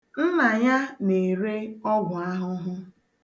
Nna ya na-ere ọgwụahụhụ.